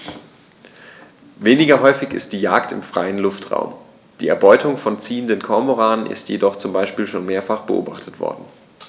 Weniger häufig ist die Jagd im freien Luftraum; die Erbeutung von ziehenden Kormoranen ist jedoch zum Beispiel schon mehrfach beobachtet worden.